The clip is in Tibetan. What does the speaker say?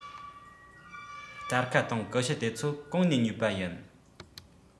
སྟར ཁ དང ཀུ ཤུ དེ ཚོ གང ནས ཉོས པ ཡིན